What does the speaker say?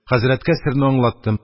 Хәзрәткә серне аңлаттым,